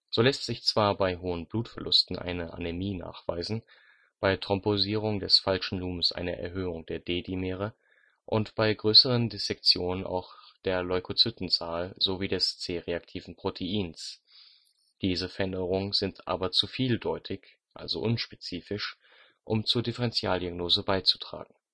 So lässt sich zwar bei hohen Blutverlusten eine Anämie nachweisen, bei Thrombosierung des falschen Lumens eine Erhöhung der D-Dimere und bei größeren Dissektionen auch der Leukozytenzahl sowie des C-reaktiven Proteins, diese Veränderungen sind aber zu vieldeutig (unspezifisch), um zur Differenzialdiagnose beizutragen